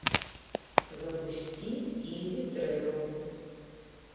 запусти изи тревел